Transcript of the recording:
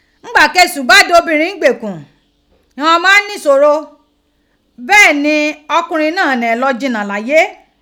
Ngba ki esu ba de obinrin ni igbekun, ighann omo a ni isoro beni okunrin naa ni i lo jina laaye.